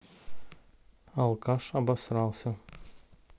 алкаш обосрался